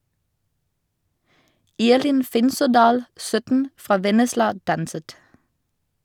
Irlin Finsådal, 17, fra Vennesla danset.